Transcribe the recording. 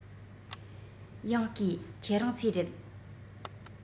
ཡང བརྐུས ཁྱེད རང ཚོའི རེད